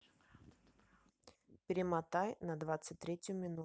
перемотай на двадцать третью минуту